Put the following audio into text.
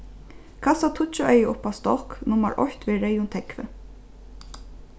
kasta tíggju eygu upp á stokk nummar eitt við reyðum tógvi